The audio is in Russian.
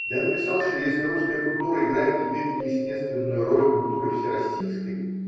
Я написал, что если русская культура играет теперь неестественную роль культуры всероссийской.